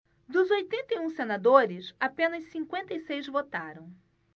dos oitenta e um senadores apenas cinquenta e seis votaram